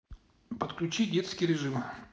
подключи детский режим